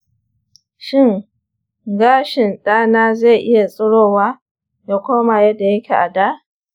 shin gashin ɗa na zai iya tsirowa ya koma yadda yake a da?